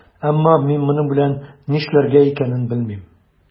Әмма мин моның белән нишләргә икәнен белмим.